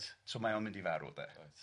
So mae o'n mynd i farw de. Reit.